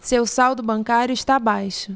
seu saldo bancário está baixo